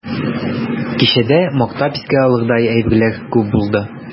Кичәдә мактап искә алырдай әйберләр күп булды.